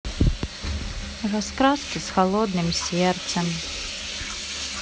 раскраски с холодным сердцем